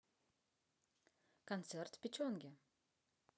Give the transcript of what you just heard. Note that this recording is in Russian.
концерт в печенге